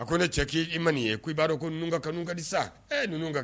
A ko ne cɛ k'i i man nin ye ko' i b'a dɔn ko nu ka n kadi sa n ka